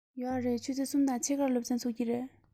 ཡོད རེད ཆུ ཚོད གསུམ དང ཕྱེད ཀར སློབ ཚན ཚུགས ཀྱི རེད